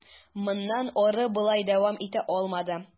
Моннан ары болай дәвам итә алмады.